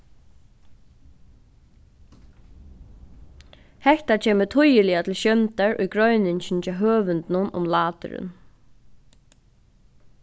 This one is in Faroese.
hetta kemur týðiliga til sjóndar í greiningini hjá høvundinum um láturin